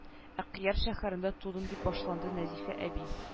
Акъяр шәһәрендә тудым дип башланды нәзифә әби